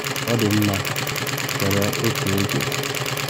Ọ dị mma, chere otu oge.